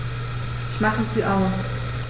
Ich mache sie aus.